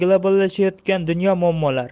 globallashayotgan dunyo muammolari